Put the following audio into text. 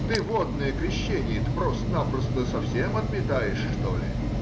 ты водное крещение-то просто-напросто совсем отметаешь, что ли?